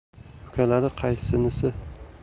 ukalari qaysinisi